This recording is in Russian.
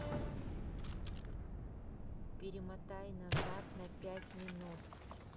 перемотай назад на пять минут